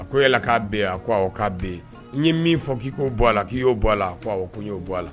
A ko yala k'a bɛ yen, a ko awɔ k'a bɛ, yen. N ye min fɔ k'i k'o bɔ a la ,k'i y'o bɔ a la, awɔ, ko n ye o bɔ a la.